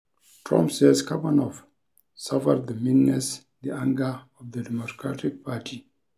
Trump says Kavanaugh 'suffered, the meanness, the anger' of the Democratic Party